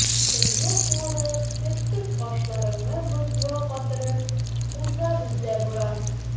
Тынны куырып, керфек-кашларыңны бозга катырып уза бездә буран.